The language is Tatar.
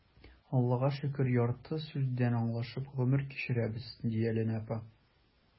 Аллаһыга шөкер, ярты сүздән аңлашып гомер кичерәбез,— ди Алинә апа.